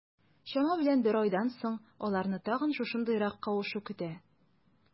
Чама белән бер айдан соң, аларны тагын шушындыйрак кавышу көтә.